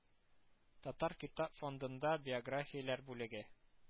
Татар китап фондында биографияләр бүлеге